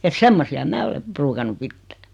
että semmoisia minä olen ruukannut pitää